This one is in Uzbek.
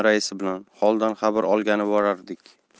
raisi bilan holidan xabar olgani borardik